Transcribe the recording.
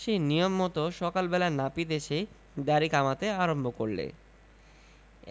সেই নিয়ম মত সকাল বেলা নাপিত এসে দাড়ি কামাতে আরম্ভ করলে